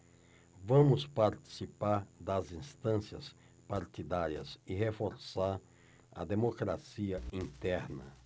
vamos participar das instâncias partidárias e reforçar a democracia interna